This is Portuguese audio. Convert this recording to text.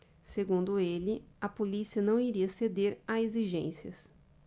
segundo ele a polícia não iria ceder a exigências